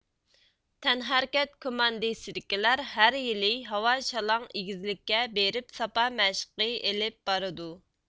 تەنھەرىكەت كوماندىسىكىلەر ھەر يىلى ھاۋا شالاڭ ئېگىزلىككە بېرىپ ساپا مەشىقى ئېلىپ بارىدۇ